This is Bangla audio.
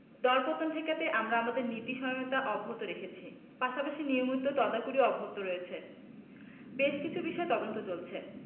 দরপতন ঠেকাতে আমরা আমাদের নীতি সহায়তা অব্যাহত রেখেছি পাশাপাশি নিয়মিত তদাকরি অব্যাহত রয়েছে বেশ কিছু বিষয়ে তদন্ত চলছে